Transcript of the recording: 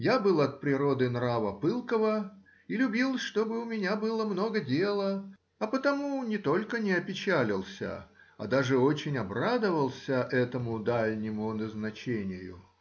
Я был от природы нрава пылкого и любил, чтобы у меня было много дела, а потому не только не опечалился, а даже очень обрадовался этому дальнему назначению.